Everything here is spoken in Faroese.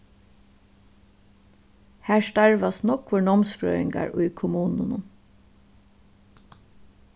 har starvast nógvir námsfrøðingar í kommununum